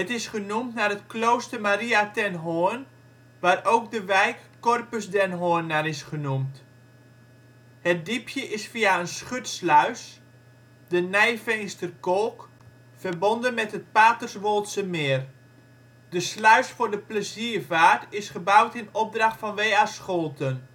is genoemd naar het klooster Maria Ten Hoorn, waar ook de wijk Corpus den Hoorn naar is genoemd. Het diepje is via een schutsluis, de Nijveensterkolk, verbonden met het Paterswoldsemeer. De sluis voor de pleziervaart is gebouwd in opdracht van W.A. Scholten